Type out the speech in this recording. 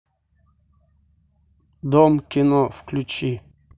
дом кино включи